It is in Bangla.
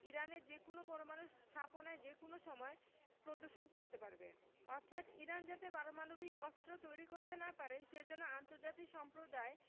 ইরানের যেকোনো পরমাণু স্থাপনায় যেকোনো সময় প্রদর্শন করতে পারবে অর্থাৎ ইরান যাতে পারমাণবিক অস্ত্র তৈরি করতে না পারে সে জন্য আন্তর্জাতিক সম্প্রদায়